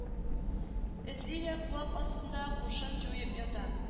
Эзлиләр куак астында һушын җуеп ята